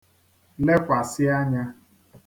lekwàsị anya